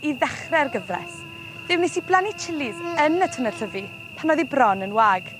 i ddechre'r gyfres fe wnes i blannu chilis yn y twnnel tyfi pan oedd 'i bron yn wag.